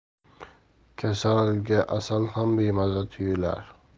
kasalga asal ham bemaza tuyular